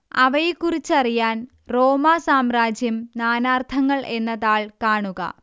അവയെക്കുറിച്ചറിയാൻ റോമാ സാമ്രാജ്യം നാനാർത്ഥങ്ങൾ എന്ന താൾ കാണുക